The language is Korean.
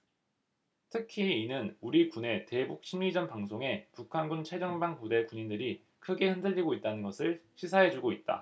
특히 이는 우리 군의 대북 심리전방송에 북한군 최전방부대 군인들이 크게 흔들리고 있다는 것을 시사해주고 있다